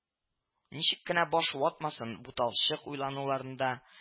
Ничек кенә баш ватмасын, буталчык уйлануларында